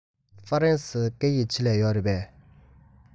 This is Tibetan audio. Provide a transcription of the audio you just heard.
ཧྥ རན སིའི སྐད ཡིག ཆེད ལས ཡོད རེད པས